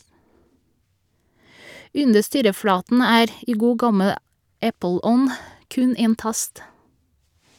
Under styreflaten er , i god gammel Apple-ånd , kun en tast.